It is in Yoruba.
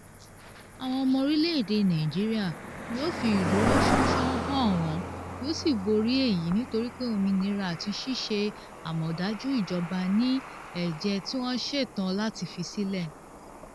Àwọn ọmọ orílẹ̀ èdè Nàìjíríà yóò fi ìdúróṣánṣán hàn wọn yóò sì borí èyí nítorí pé òmìnira àti ṣíṣe àmọ̀dájú ìjọba ní ẹ̀jẹ̀ tí wọ́n ṣetán láti fi sílẹ̀.